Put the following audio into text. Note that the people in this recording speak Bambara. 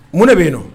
Munɛ bɛ yen nɔ